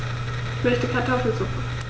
Ich möchte Kartoffelsuppe.